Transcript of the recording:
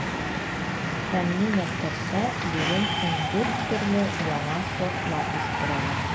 Фәнни мәктәптә бүген ундүрт төрле яңа сортлар үстерәләр.